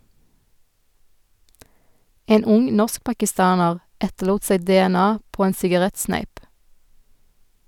En ung norsk-pakistaner etterlot seg DNA på en sigarettsneip.